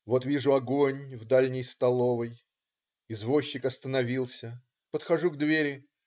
Вот вижу огонь в дальней столовой. Извозчик остановился. Подхожу к двери.